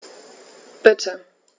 Bitte.